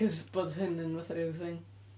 Cos bod hyn yn fatha ryw thing.